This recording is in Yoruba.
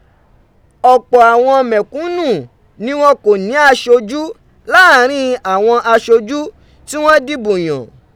Ọ̀pọ̀ àwọn mẹ̀kúnù ni wọ́n kò ní aṣojú láàárín àwọn aṣojú tí wọ́n dìbò yàn